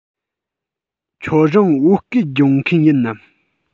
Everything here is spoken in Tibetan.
ཁྱོད རང བོད སྐད སྦྱོང མཁན ཡིན ནམ